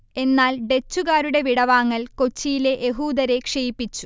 എന്നാൽ ഡച്ചുകാരുടെ വിടവാങ്ങൽ കൊച്ചിയിലെ യഹൂദരെ ക്ഷയിപ്പിച്ചു